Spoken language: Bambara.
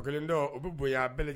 O kelen dɔ o bɛ bonya a